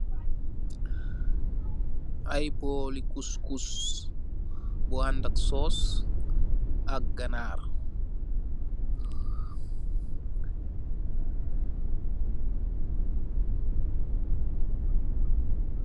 Aye booli kus kus, bu handak soos ak ganaar.